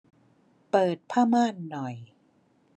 เปิดผ้าม่านหน่อย